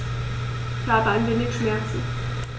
Ich habe ein wenig Schmerzen.